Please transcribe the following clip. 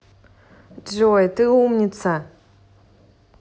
джой ты умница